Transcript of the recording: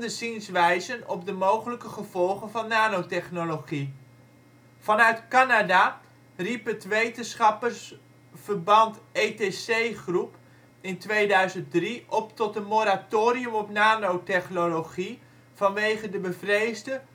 zienswijzen op de mogelijke gevolgen van nanotechnologie. Vanuit Canada riep het wetenschappers verband ETC Group in 2003 op tot een moratorium op nanotechnologie vanwege de bevreesde